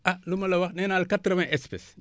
ah lu ma la wax nee naa la quatre vingt espèces